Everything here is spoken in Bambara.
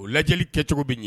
O lajɛli kɛ cogo bɛ ɲɛ